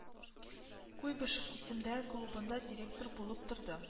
Куйбышев исемендә клубында директор булып торды